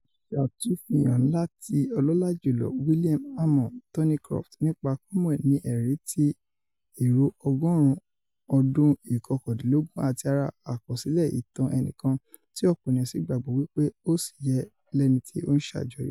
Ìṣátúnfihàn ńlá ti Ọlọ́lajὺlọ́ William Hamo Thorneycroft nípa Cromwell ni ẹ̀rí ti èrò ọgọ́ọ̀rún ọdún ìkọkàndínlógún àti ara àkọsílẹ̀ ìtàn ẹnikan tí ọ̀pọ̀ ènìyàn sí gbàgbọ́ wí pé ó sì yẹ lẹ́nití a ńṣàjọyọ̀.